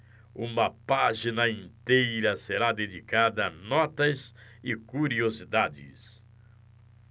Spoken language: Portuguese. uma página inteira será dedicada a notas e curiosidades